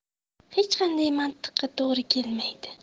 hech qanday mantiqqa to'g'ri kelmaydi